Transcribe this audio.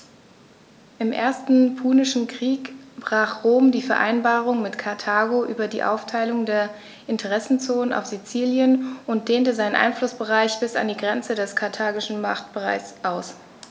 Im Ersten Punischen Krieg brach Rom die Vereinbarung mit Karthago über die Aufteilung der Interessenzonen auf Sizilien und dehnte seinen Einflussbereich bis an die Grenze des karthagischen Machtbereichs aus.